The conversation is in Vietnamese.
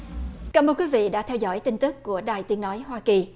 cảm ơn quý vị đã theo dõi tin tức của đài tiếng nói hoa kỳ